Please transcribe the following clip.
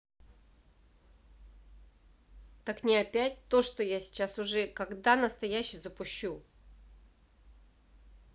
так не опять то что я сейчас уже когда настоящий запущу